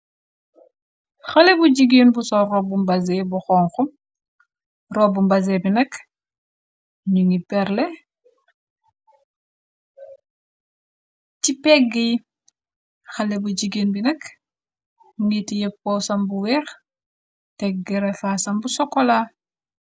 Xale bu jigeen bu so rob bu mbasée bu xonxo. Robbu mbasee bi nakk ñu ngi perle ci peggi, xale bu jigéen bi nak niti yéppow sam bu weex , teggrefaa sam bu sokola.